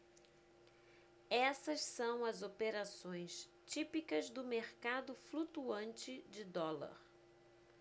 essas são as operações típicas do mercado flutuante de dólar